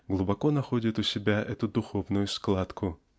глубоко находит у себя эту духовную складку.